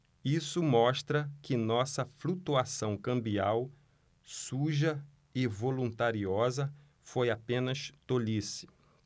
isso mostra que nossa flutuação cambial suja e voluntariosa foi apenas tolice